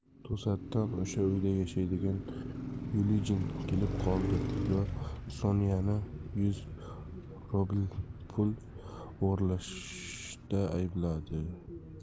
to'satdan o'sha uyda yashaydigan lujin kelib qoladi va sonyani yuz rubl pul o'g'irlashda ayblaydi